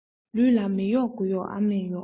ལུས ལ མ གཡོགས དགུ གཡོགས ཨ མས གཡོགས